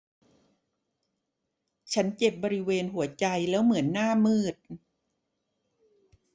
ฉันเจ็บบริเวณหัวใจแล้วเหมือนหน้ามืด